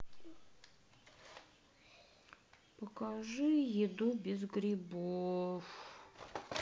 покажи еду без грибов